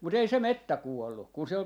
mutta ei se metsä kuollut kun se oli